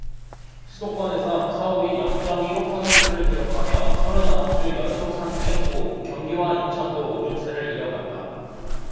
수도권에선 서울이 영 쩜 일 오 퍼센트를 기록하며 서른 아홉 주 연속 상승했고 경기와 인천도 오름세를 이어갔다